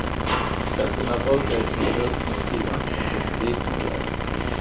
støddin á bókahillini í húsinum sigur einki um hvussu lisin tú ert